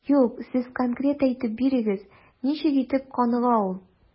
Юк, сез конкрет әйтеп бирегез, ничек итеп каныга ул?